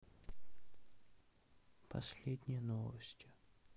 последние новости